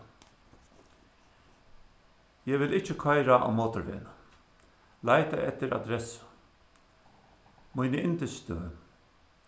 eg vil ikki koyra á motorvegnum leita eftir adressu míni yndisstøð